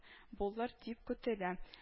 Булыр дип көтелә